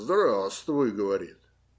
- Здравствуй, - говорит.